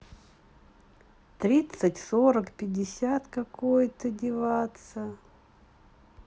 тридцать сорок пятьдесят какой то деваться